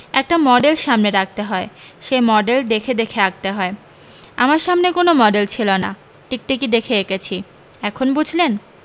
একটা মডেল সামনে রাখতে হয় সেই মডেল দেখে দেখে আঁকতে হয় আমার সামনে কোন মডেল ছিল না টিকটিকি দেখে এঁকেছি এখন বুঝলেন